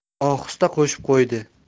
ohista qo'shib qo'ydi